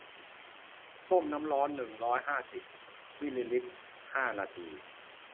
ต้มน้ำร้อนหนึ่งร้อยห้าสิบมิลลิลิตรห้านาที